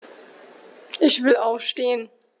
Ich will aufstehen.